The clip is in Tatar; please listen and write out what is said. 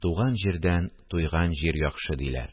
Туган җирдән туйган җир яхшы, диләр